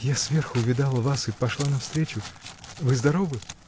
— Я сверху увидала вас и пошла навстречу. Вы здоровы?